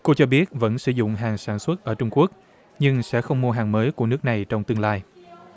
cô cho biết vẫn sử dụng hàng sản xuất ở trung quốc nhưng sẽ không mua hàng mới của nước này trong tương lai